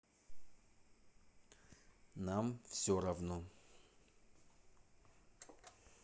нам все равно